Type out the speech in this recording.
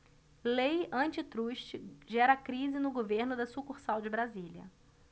lei antitruste gera crise no governo da sucursal de brasília